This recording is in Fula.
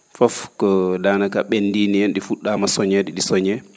fof ko daanaka ?enndii nihen ?i fu??aama soñeede ?i soñee